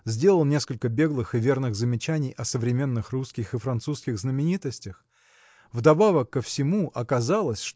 сделал несколько беглых и верных замечаний о современных русских и французских знаменитостях. Вдобавок ко всему оказалось